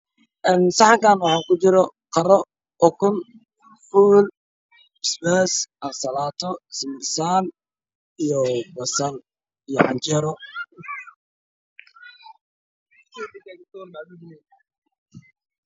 Saxankan waxaa ku jiro iyo basbaas yaan salaato yaa canjeero